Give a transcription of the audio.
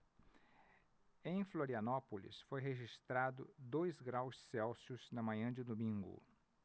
em florianópolis foi registrado dois graus celsius na manhã de domingo